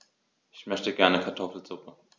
Ich möchte gerne Kartoffelsuppe.